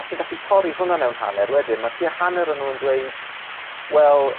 A ti'n gallu torri hwnna mewn hanner wedyn ma' tua hanner o n'w yn dweud wel